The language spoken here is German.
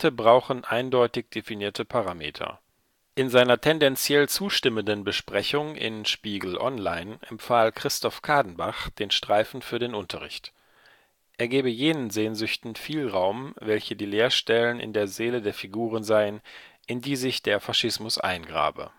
brauchen eindeutig definierte Parameter. “In seiner tendenziell zustimmenden Besprechung in Spiegel Online empfahl Christoph Cadenbach den Streifen für den Unterricht. Er gebe jenen Sehnsüchten viel Raum, welche die Leerstellen in der Seele der Figuren seien, in die sich der Faschismus eingrabe